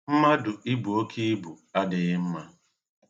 Mmadụ ibu oke ibu adịghị mma.